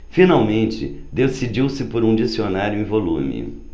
finalmente decidiu-se por um dicionário em um volume